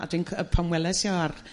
A dwi'n c-... Yrr pan weles i o ar